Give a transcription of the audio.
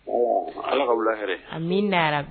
Voila la ka wula hɛrɛ, amiina yarabi